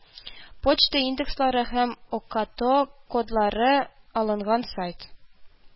Почта индекслары һәм ОКАТО кодлары алынган сайт